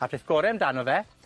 A'r peth gore amdano fe